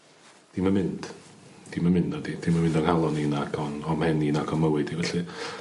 dim yn mynd dim yn mynd nadi dim yn mynd o'n nghalon i nag o'n o' mhen i nag o mywyd i felly